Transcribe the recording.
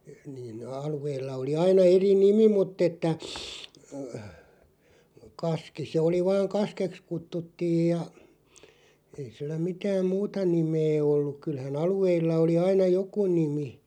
niin ne alueilla oli aina eri nimi mutta että - kaski se oli vain kaskeksi kutsuttiin ja ei sillä mitään muuta nimeä ollut kyllähän alueilla oli aina joku nimi